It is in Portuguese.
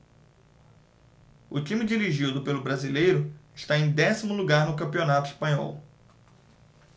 o time dirigido pelo brasileiro está em décimo lugar no campeonato espanhol